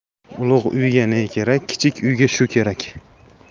ulug' uyga ne kerak kichik uyga shu kerak